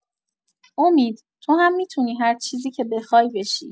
امید، تو هم می‌تونی هر چیزی که بخوای بشی.